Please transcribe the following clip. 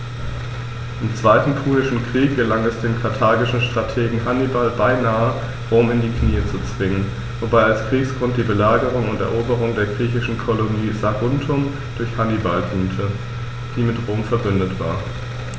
Im Zweiten Punischen Krieg gelang es dem karthagischen Strategen Hannibal beinahe, Rom in die Knie zu zwingen, wobei als Kriegsgrund die Belagerung und Eroberung der griechischen Kolonie Saguntum durch Hannibal diente, die mit Rom „verbündet“ war.